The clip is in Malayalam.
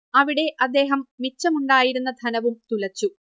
അവിടെ അദ്ദേഹം മിച്ചമുണ്ടായിരുന്ന ധനവും തുലച്ചു